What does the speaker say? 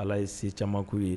Ala ye se caman k'u ye